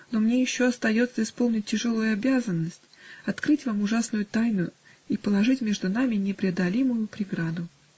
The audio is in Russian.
но мне еще остается исполнить тяжелую обязанность, открыть вам ужасную тайну и положить между нами непреодолимую преграду.